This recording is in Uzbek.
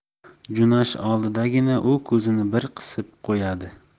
jo'nash oldidagina u ko'zini bir qisib qo'yadi